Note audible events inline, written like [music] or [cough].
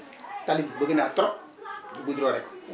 tali bëgg naa trop [crosstalk] bu goudronné